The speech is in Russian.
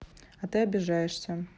а ты обижаешься